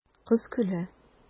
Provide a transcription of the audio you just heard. Кыз көлә.